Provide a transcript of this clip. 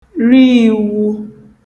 ri īwū